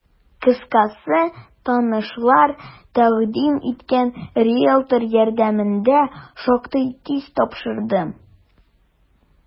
Кыскасы, танышлар тәкъдим иткән риелтор ярдәмендә шактый тиз тапшырдым.